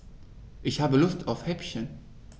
Ich habe Lust auf Häppchen.